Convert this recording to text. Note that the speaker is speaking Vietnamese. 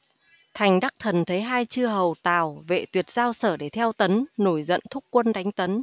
thành đắc thần thấy hai chư hầu tào vệ tuyệt giao sở để theo tấn nổi giận thúc quân đánh tấn